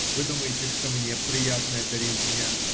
- Вы думаете, что мне приятна эта резня?